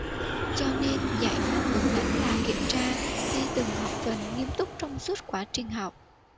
cho nên giải pháp đúng đắn là kiểm tra thi từng học phần nghiêm túc trong suốt quá trình học